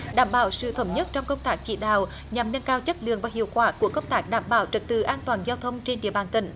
đảm bảo sự thống nhất trong công tác chỉ đạo nhằm nâng cao chất lượng và hiệu quả của công tác đảm bảo trật tự an toàn giao thông trên địa bàn tỉnh